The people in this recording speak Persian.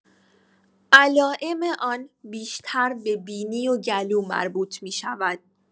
علائم آن بیشتر به بینی و گلو مربوط می‌شود.